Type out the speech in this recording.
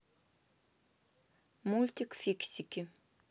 мультик фиксики